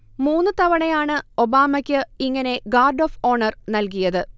മൂന്ന് തവണയാണ് ഒബാമയ്ക്ക് ഇങ്ങനെ ഗാർഡ് ഒഫ് ഓണർ നൽകിയത്